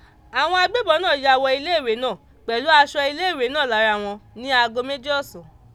Àwọn agbébọn náà ya wọ iléèwé náà pẹ̀lú aṣọ iléèwé náà lára wọn ní aago méjì ọ̀sán.